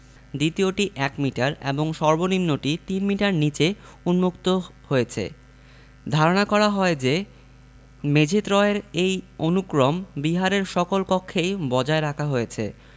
দ্বিতীয়টি ১মিটার এবং সর্বনিম্নটি ৩মিটার নিচে উন্মুক্ত হয়েছে ধারণা করা হয় যে মেঝেত্রয়ের এই অনুক্রম বিহারের সকল কক্ষেই বজায় রাখা হয়েছে